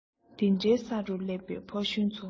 དེ འདྲའི ས རུ སླེབས པའི ཕོ གཞོན ཚོ